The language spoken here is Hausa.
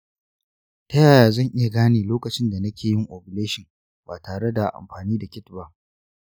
ta yaya zan iya gane lokacin da nake yin ovulation ba tare da amfani da kit ba?